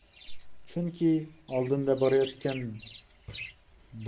chunki oldinda borayotgan